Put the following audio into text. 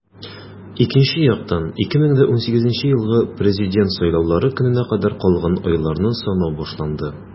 Икенче яктан - 2018 елгы Президент сайлаулары көненә кадәр калган айларны санау башланды.